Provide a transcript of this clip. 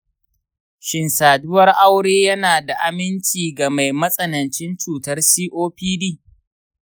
shin saduwar aure yana da aminci ga mai matsanancin cutar copd?